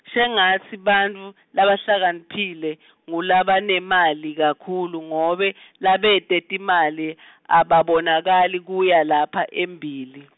shengatsi bantfu, labahlakaniphile, ngulabanemali kakhulu ngobe, labete timali , ababonakali kuya lapha embili.